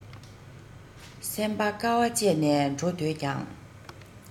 སེམས པ དཀའ བ སྤྱད ནས འགྲོ འདོད ཀྱང